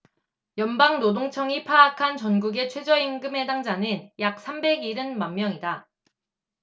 연방노동청이 파악한 전국의 최저임금 해당자는 약 삼백 일흔 만명이다